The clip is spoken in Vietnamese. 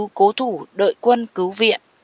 cố thủ đợi quân cứu viện